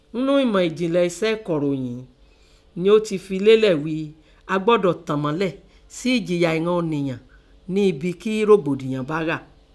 Ńnú èmọ̀ ẹ̀jìnlẹ̀ eṣẹ́ ẹ̀kọ̀ròyìn nẹ ọ́ tẹ fi lélẹ̀ ghí i a gbọ́dọ̀ tànmọ́lẹ̀ sí ẹ̀jìyà ìnan ọ̀nìyàn nẹ́ ibin kí rògbòdìyàn bá ghà.